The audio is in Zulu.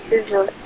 -iZulu.